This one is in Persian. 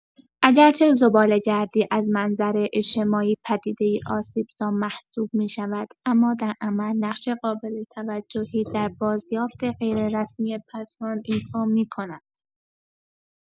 اگرچه زباله‌گردی از منظر اجتماعی پدیده‌ای آسیب‌زا محسوب می‌شود، اما در عمل نقش قابل توجهی در بازیافت غیررسمی پسماند ایفا می‌کند.